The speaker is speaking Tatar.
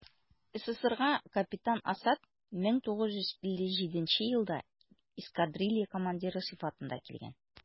СССРга капитан Асад 1957 елда эскадрилья командиры сыйфатында килгән.